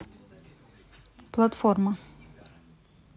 the платформа